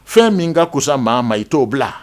Fɛn min ka fusa maa ma i t'o bila